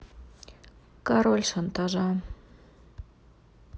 король шантажа